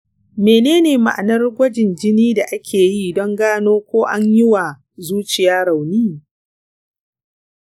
menene ma'anar gwajin jini da ake yi don gano ko an yi wa zuciya rauni